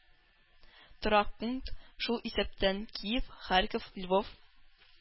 Торак пункт (шул исәптән киев, харьков, львов,